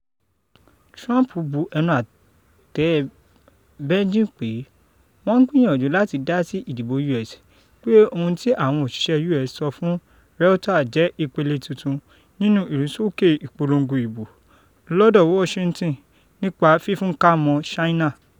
Trump bu ẹnu àtẹ́lu Beijing pé wọ́n ń gbìyànjù láti dásí ìdìbò U.S pé ohun tí àwọn òsìsẹ́ U.S sọ fun Reuters jẹ́ ìpele tuntun nínú ìrúsókè ìpòlongo ìbò lọ́dọ Washington nípa fífúnkamọ́ China.